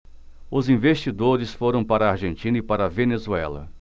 os investidores foram para a argentina e para a venezuela